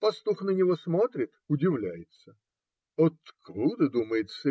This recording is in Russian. Пастух на него смотрит, удивляется. "Откуда, думает,